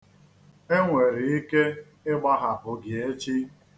E nwere ike ịgbahapụ gị echi